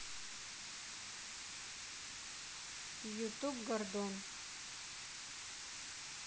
ютуб гордон